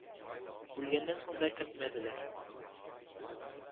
Үлгәннән соң да керт мәделәр